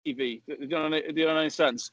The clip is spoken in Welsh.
I fi. Ydy hwnna'n wneud ydy hynna'n wneud sens?